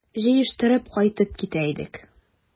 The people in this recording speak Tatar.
Җыештырып кайтып китә идек...